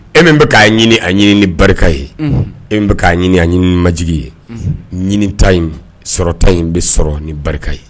E min bɛ k' ɲini a ɲini ni barika ye e bɛ ka ɲini a ɲinimajigi ye ɲini ta in sɔrɔta ɲi n bɛ sɔrɔ ni barika ye